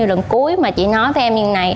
lần cuối mà chị nói với em chuyện này